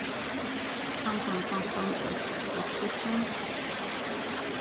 handan plantan er úr plastikki